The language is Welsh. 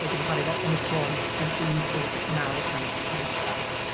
o'i gymharu efo Ynys Môn yn un pwynt naw y cant ar ei isa.